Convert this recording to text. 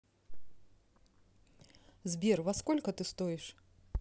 сбер во сколько ты стоишь